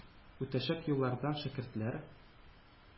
Үтәчәк юллардан шәкертләр